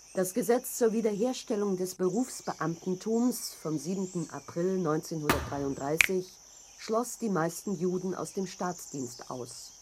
Das Gesetz zur Wiederherstellung des Berufsbeamtentums vom 7. April 1933 schloss die meisten Juden aus dem Staatsdienst aus